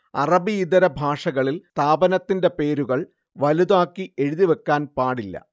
അറബിയിതര ഭാഷകളിൽ സ്ഥാപനത്തിന്റെ പേരുകൾ വലുതാക്കി എഴുതി വെക്കാൻ പാടില്ല